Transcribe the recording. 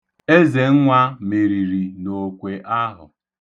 Ezenwa meriri n'okwe ahụ.